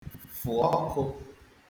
fụ̀ ọkụ